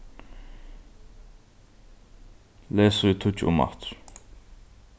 les síðu tíggju umaftur